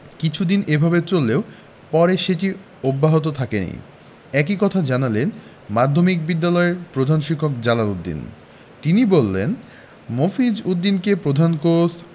কিছুদিন এভাবে চললেও পরে সেটি অব্যাহত থাকেনি একই কথা জানালেন মাধ্যমিক বিদ্যালয়ের প্রধান শিক্ষক জালাল উদ্দিন তিনি বলেন মফিজ উদ্দিনকে প্রধান কোচ